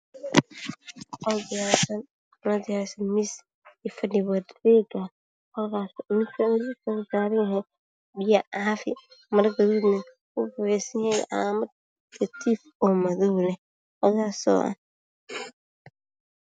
Miis iyo fahi wuxuu saaran